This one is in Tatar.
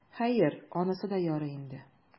Хәер, анысы да ярый инде.